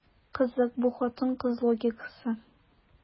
Кызык бу хатын-кыз логикасы.